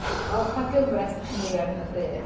O, pa gyfres dach chi'n wylio ar hyn o bryd?